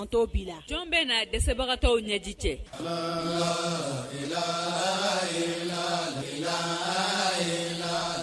Jɔn bɛna na dɛsɛbagatɔw ɲɛji cɛ